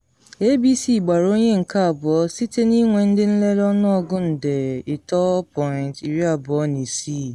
ABC gbara onye nke abụọ site na ịnwe ndị nlele ọnụọgụ nde 3.26.